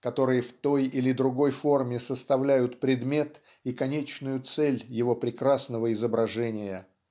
которые в той или другой форме составляют предмет и конечную цель его прекрасного изображения.